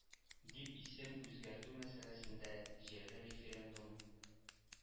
– дип, исем үзгәртү мәсьәләсендә җирле референдум